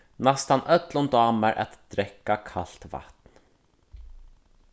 næstan øllum dámar at drekka kalt vatn